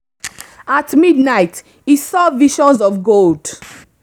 At midnight, he saw visions of gold.